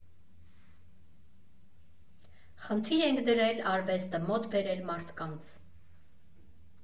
«Խնդիր ենք դրել արվեստը մոտ բերել մարդկանց։